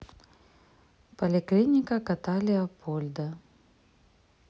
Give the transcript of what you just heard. поликлиника кота леопольда